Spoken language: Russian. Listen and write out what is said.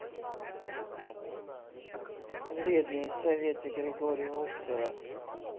вредные советы григория остера